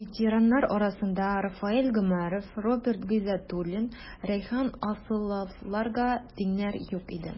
Ветераннар арасында Рафаэль Гомәров, Роберт Гыйздәтуллин, Рәйхан Асыловларга тиңнәр юк иде.